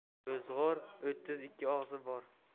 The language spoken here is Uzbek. ro'zg'or o'ttiz ikki og'zi bor